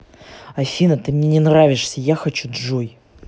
афина ты мне не нравишься я хочу джой